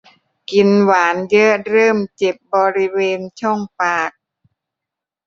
กินหวานเยอะเริ่มเจ็บบริเวณช่องปาก